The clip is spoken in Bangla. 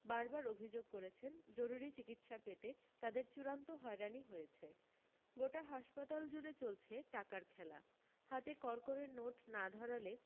বারবার অভি্যোগ করেছেন জরুরি চিকিৎসা পেতে তাদের চূডান্ত হয়রানি হয়েছে গোটা হাসপাতাল জুড়ে চলছে টাকার খেলা হাতে কড়কড়ে নোট না ধরালে